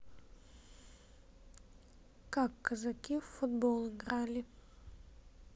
как казаки в футбол играли